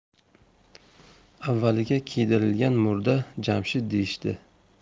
avvaliga kuydirilgan murda jamshid deyishdi